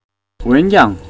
འོན ཀྱང